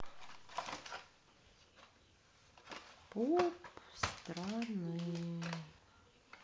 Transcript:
пуп страны